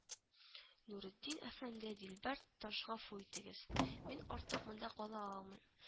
Нуретдин әфәнде, Дилбәр тутащ, гафу итегез. Мин артык монда кала алмыйм